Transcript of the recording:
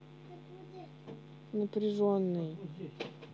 напряженной